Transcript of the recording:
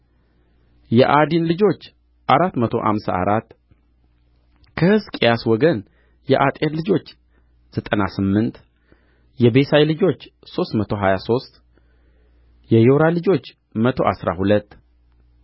የዓዲን ልጆች አራት መቶ አምሳ አራት ከሕዝቅያስ ወገን የአጤር ልጆች ዘጠና ስምንት የቤሳይ ልጆች ሦስት መቶ ሀያ ሦስት የዮራ ልጆች መቶ አሥራ ሁለት